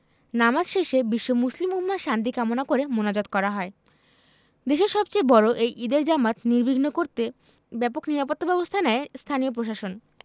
নামাজ শেষে বিশ্ব মুসলিম উম্মাহর শান্তি কামনা করে মোনাজাত করা হয় দেশের সবচেয়ে বড় এই ঈদের জামাত নির্বিঘ্ন করতে ব্যাপক নিরাপত্তাব্যবস্থা নেয় স্থানীয় প্রশাসন